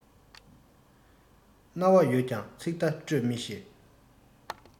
རྣ བ ཡོད ཀྱང ཚིག བརྡ སྤྲོད མི ཤེས